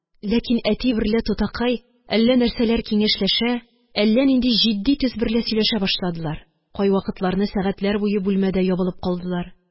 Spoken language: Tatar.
Ләкин әти берлә тутакай әллә нәрсәләр киңәшләшә, әллә нинди җитди төс берлә сөйләшә башладылар. Кайвакытларны сәгатьләр буе бүлмәдә ябылып калдылар